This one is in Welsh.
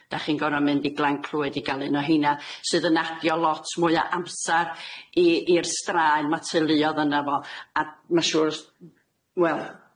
Dach chi'n gor'o' mynd i Glan Clwyd i ga'l un o heina, sydd yn adio lot mwy o amsar i i'r straen ma'r teuluodd yno fo. A ma' siŵr s- m-, wel.